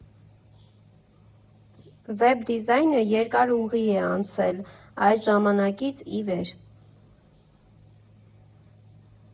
Վեբ դիզայնը երկար ուղի է անցել այդ ժամանակից ի վեր։